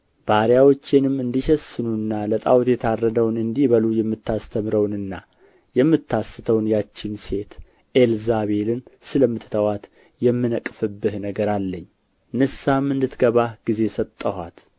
ባሪያዎቼንም እንዲሴስኑና ለጣዖት የታረደውን እንዲበሉ የምታስተምረውንና የምታስተውን ያችን ሴት ኤልዛቤልን ስለምትተዋት የምነቅፍብህ ነገር አለኝ ንስሐም እንድትገባ ጊዜ ሰጠኋት